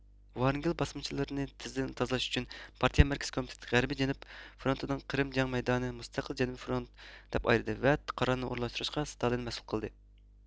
ۋرانگېل باسمىچىلىرىنى تېزدىن تازىلاش ئۈچۈن پارتىيە مەركىزىي كومىتېتى غەربىي جەنۇب فرونتىنىڭ قىرىم جەڭ مەيدانىنى مۇستەقىل جەنۇبىي فرونىت دەپ ئايرىدى ۋە قارارنى ئورۇنلاشتۇرۇشقا ستالىننى مەسئۇل قىلدى